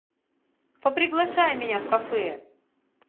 no приглашай меня в кафе